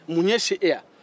mu y'e se yan